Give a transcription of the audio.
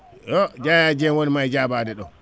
oh Yaya Dieng wonima e jaabade ɗo